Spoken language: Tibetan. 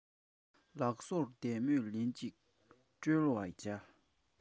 ལག སོར དལ མོས ལེན ཅིག དཀྲོལ བར བྱ